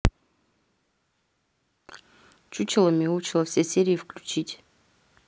чучело мяучело все серии включить